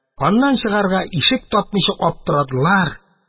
Аннан чыгарга ишек тапмыйча аптырадылар.